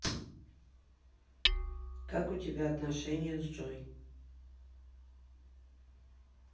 как у тебя отношения с джой